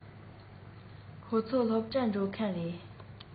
ཁོ ཚོ སློབ གྲྭར འགྲོ མཁན རེད